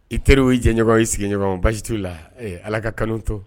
I terir ye jɛɲɔgɔn sigiɲɔgɔn basi ttu la ala ka kanu to